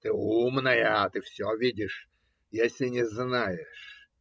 Ты умная, ты все видишь. Если не знаешь.